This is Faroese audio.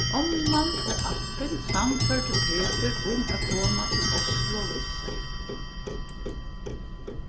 omman og abbin sannførdu petur um at koma til oslo við sær